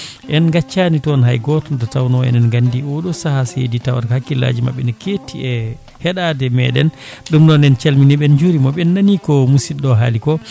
en gaccani toon hay goto nde tawno enen gandi oɗo saaha so heedi tawata hakkillaji mabɓe ne ketti e heeɗade meɗen ɗum noon en calminiɓe en jurimaɓe en nani ko musidɗo o haali ko